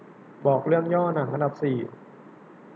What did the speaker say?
บอกเรื่องย่อหนังอันดับสี่